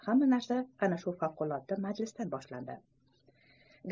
hamma narsa ana shu favqulodda majlisdan boshlandi